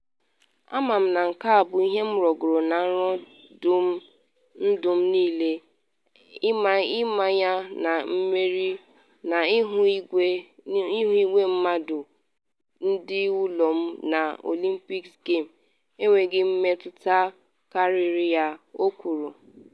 “A maara m na nke a bụ ihe m rọgoro na nrọ ndụ m niile - ịmanye na mmiri n’ihu igwe mmadụ ndị ụlọ m na Olympics Game, enweghị mmetụta karịrị ya,” o kwuru.